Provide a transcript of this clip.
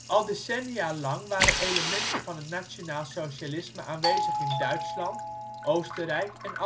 Al decennia lang waren elementen van het nationaalsocialisme aanwezig in Duitsland, Oostenrijk en